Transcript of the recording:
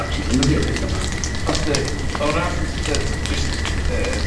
actually defnyddio'r petha 'ma. Ond yy o ran y jyst yy